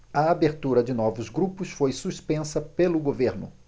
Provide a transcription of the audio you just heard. a abertura de novos grupos foi suspensa pelo governo